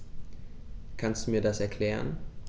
Kannst du mir das erklären?